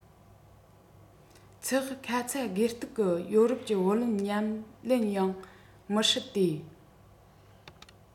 ཚེག ཁ ཚ དགོས གཏུགས ཀྱི ཡོ རོབ ཀྱི བུ ལོན ཉམས ཉེན ཡང མི སྲིད དེ